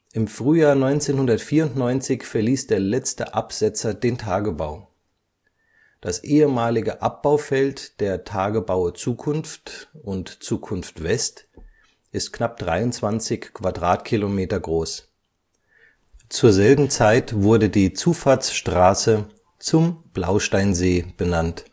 Im Frühjahr 1994 verließ der letzte Absetzer den Tagebau. Das ehemalige Abbaufeld der Tagebaue Zukunft und Zukunft-West ist knapp 23 Quadratkilometer groß. Zur selben Zeit wurde die Zufahrtsstraße Zum Blausteinsee benannt